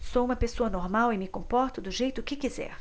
sou homossexual e me comporto do jeito que quiser